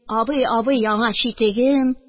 Абый, абый, яңы читегем